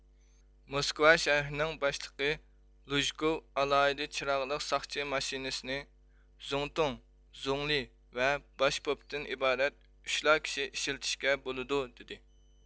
موسكۋا شەھىرىنىڭ باشلىقى لۇژكوۋ ئالاھىدە چىراغلىق ساقچى ماشىنىسىنى زۇڭتۇڭ زۇڭلى ۋە باش پوپتىن ئىبارەت ئۈچلا كىشى ئىشلىتىشكە بولىدۇ دېدى